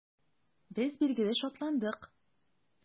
Без, билгеле, шатландык.